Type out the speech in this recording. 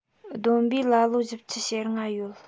བསྡོམས པས ལ ལོ བཞི བཅུ ཞེ ལྔ ཡོད